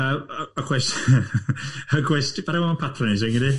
Yy yy yy gwest- yy gwesti- parhau efo'm patrnasing ydi?